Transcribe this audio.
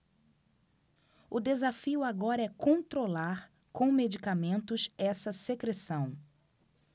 o desafio agora é controlar com medicamentos essa secreção